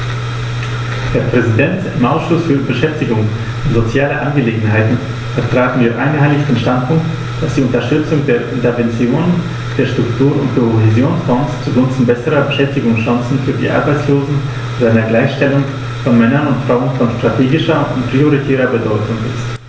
Herr Präsident, im Ausschuss für Beschäftigung und soziale Angelegenheiten vertraten wir einhellig den Standpunkt, dass die Unterstützung der Interventionen der Struktur- und Kohäsionsfonds zugunsten besserer Beschäftigungschancen für die Arbeitslosen und einer Gleichstellung von Männern und Frauen von strategischer und prioritärer Bedeutung ist.